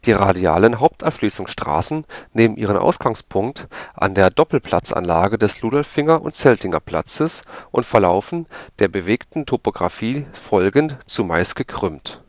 radialen Haupterschließungsstraßen nehmen ihren Ausgangspunkt an der Doppelplatzanlage des Ludolfinger und Zeltinger Platzes und verlaufen der bewegten Topografie folgend zumeist gekrümmt